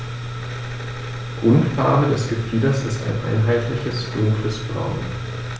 Grundfarbe des Gefieders ist ein einheitliches dunkles Braun.